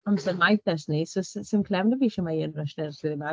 Amser maith ers 'ny, so, s- 'sdim clem gyda fi shwt mae Ian Rush yn edrych dyddiau 'ma.